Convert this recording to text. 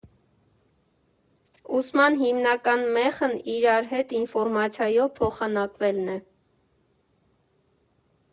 Ուսման հիմնական մեխն իրար հետ ինֆորմացիայով փոխանակվելն է։